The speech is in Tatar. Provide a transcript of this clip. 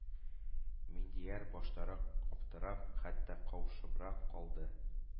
Миндияр баштарак аптырап, хәтта каушабрак калды.